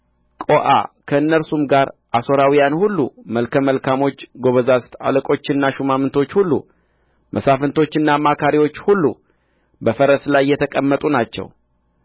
ቆዓ ከእነርሱም ጋር አሦራውያን ሁሉ መልከ መልካሞች ጐበዛዝት አለቆችና ሹማምቶች ሁሉ መሳፍንቶችና አማካሪዎች ሁሉ በፈረስ ላይ የተቀመጡ ናቸው